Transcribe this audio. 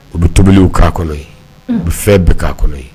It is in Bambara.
U don tobiliw' kɔnɔ u bɛ fɛn bɛ'a kɔnɔ